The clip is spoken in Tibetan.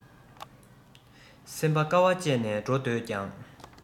སེམས པ དཀའ བ སྤྱད ནས འགྲོ འདོད ཀྱང